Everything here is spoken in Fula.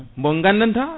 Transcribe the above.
mo gandanta